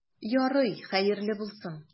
Ярый, хәерле булсын.